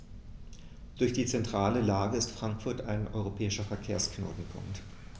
Durch die zentrale Lage ist Frankfurt ein europäischer Verkehrsknotenpunkt.